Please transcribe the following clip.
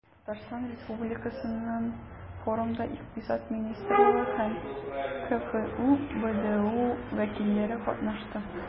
Татарстан Республикасыннан форумда Икътисад министрлыгы һәм КФҮ ДБУ вәкилләре катнашты.